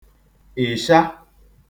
ị̀sha